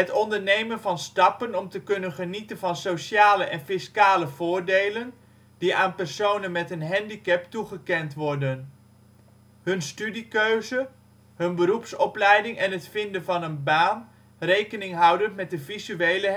ondernemen van stappen om te kunnen genieten van sociale en fiscale voordelen, die aan personen met een handicap toegekend worden; hun studiekeuze, hun beroepsopleiding en het vinden van een baan rekening houdend met de visuele